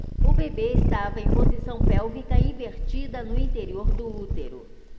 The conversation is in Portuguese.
o bebê estava em posição pélvica invertida no interior do útero